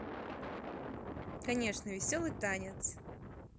конечно веселый танец